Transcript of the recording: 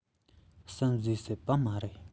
བསམ བཟོས བསད པ མ རེད